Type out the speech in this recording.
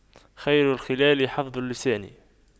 خير الخلال حفظ اللسان